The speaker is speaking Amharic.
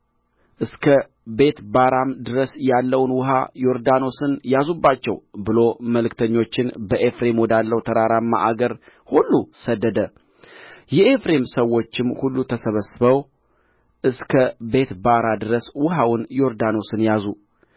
ጌዴዎንም ምድያምን ለመገናኘት ውረዱ እስከ ቤትባራም ድረስ ያለውን ውኃ ዮርዳኖስን ያዙባቸው ብሎ መልክተኞችን በኤፍሬም ወዳለው ተራራማ አገር ሁሉ ሰደደ የኤፍሬም ሰዎችም ሁሉ ተሰብስበው እስከ ቤትባራ ድረስ ውኃውን ዮርዳኖስን ያዙ